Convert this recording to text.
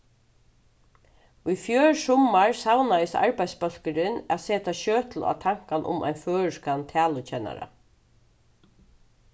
í fjør summar savnaðist arbeiðsbólkurin at seta sjøtul á tankan um ein føroyskan talukennara